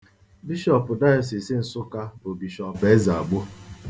Bishọp Dayọsis Nsụka bụ Bishọp Eze Agbo.